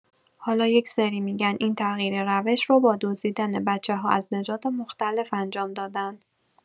حالا یکسری می‌گن این تغییر روش رو با دزدیدن بچه‌ها از نژاد مختلف انجام دادن